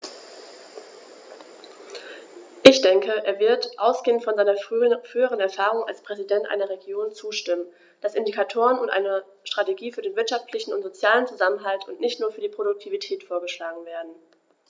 Ich denke, er wird, ausgehend von seiner früheren Erfahrung als Präsident einer Region, zustimmen, dass Indikatoren und eine Strategie für den wirtschaftlichen und sozialen Zusammenhalt und nicht nur für die Produktivität vorgeschlagen werden.